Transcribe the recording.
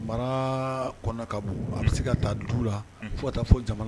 Mara kɔnɔ ka bon; Un; A bɛ se ka ta du la; Un; Fo ka taa se jamana.